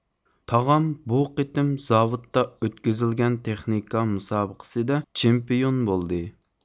تاغام بۇ قېتىم زاۋۇتتا ئۆتكۈزۈلگەن تېخنىكا مۇسابىقىسىدە چېمپىيون بولدى